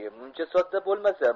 muncha sodda bo'lmasa